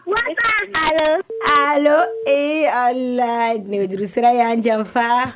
Nka kalo kalo e ale la nɛgɛuru sira y yan janfa